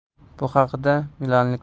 bu haqda milanliklar